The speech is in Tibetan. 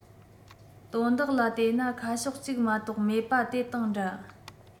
དོན དག ལ བལྟས ན ཁ ཕྱོགས གཅིག མ གཏོགས མེད པ དེ དང འདྲ